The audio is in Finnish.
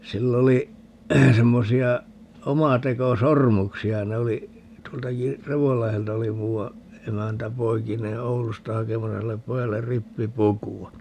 sillä oli semmoisia omatekosormuksia ne oli tuoltakin Revonlahdelta oli muuan emäntä poikineen Oulusta hakemassa sille pojalle rippipukua